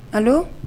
A